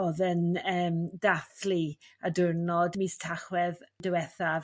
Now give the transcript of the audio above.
o'dd yn yym dathlu y diwrnod mis Tachwedd diwethaf